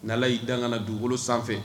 N y'i dan ka dugukolo sanfɛ